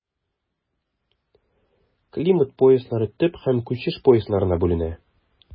Климат пояслары төп һәм күчеш поясларына бүленә.